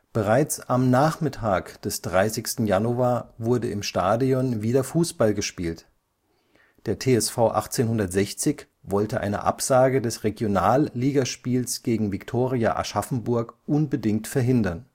Bereits am Nachmittag des 30. Januar wurde im Stadion wieder Fußball gespielt, der TSV 1860 wollte eine Absage des Regionalligaspiels gegen Viktoria Aschaffenburg unbedingt verhindern